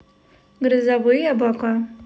грозовые облака